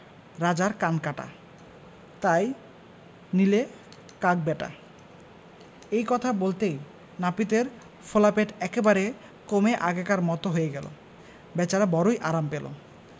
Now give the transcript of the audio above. রাজার কান কাটা তাই নিলে কাক ব্যাটা এই কথা বলতেই নাপিতের ফোলা পেট একেবারে কমে আগেকার মতো হয়ে গেল বেচারা বড়োই আরাম পেল